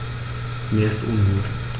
Mir ist ungut.